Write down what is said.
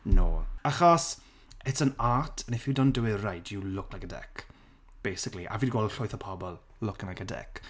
No achos, it's an art and if you don't do it right, you look like a dick basically a fi 'di gweld llwyth o pobl looking like a dick.